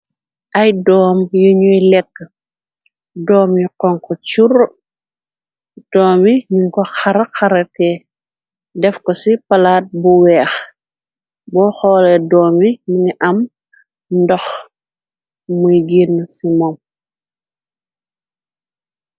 Ay doom yu ñuy lekk, doom yu xonxo churr, doombi nu ko xara xarate def ko ci palaat bu weex, bo xoole doomi mini am ndox muy ginn ci moom.